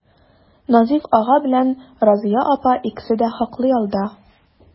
Назыйф ага белән Разыя апа икесе дә хаклы ялда.